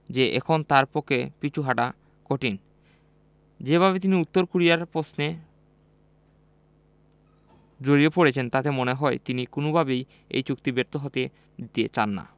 যে এখন তাঁর পক্ষে পিছু হটা কঠিন যেভাবে তিনি উত্তর কোরিয়া প্রশ্নে জড়িয়ে পড়েছেন তাতে মনে হয় তিনি কোনোভাবেই এই চুক্তি ব্যর্থ হতে দিতে চান না